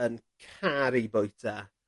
yn caru bwyta.